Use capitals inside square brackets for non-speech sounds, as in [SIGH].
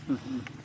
[HESITATION] [HESITATION]